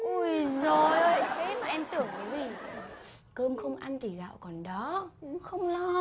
ui dời ơi thế mà em tưởng cái gì cơm không ăn thì gạo còn đó chứ không lo